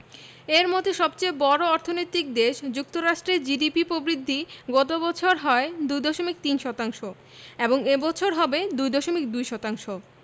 এর মধ্যে সবচেয়ে বড় অর্থনৈতিক দেশ যুক্তরাষ্ট্রের জিডিপি প্রবৃদ্ধি গত বছর হয় ২.৩ শতাংশ এবং এ বছর হবে ২.২ শতাংশ